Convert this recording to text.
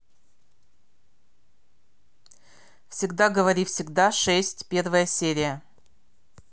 всегда говори всегда шесть первая серия